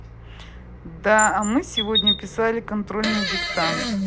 да а мы сегодня писали контрольный диктант